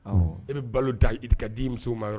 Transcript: E bɛ balo da i ka di muso ma yɔrɔ